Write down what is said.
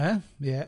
Yy, ie.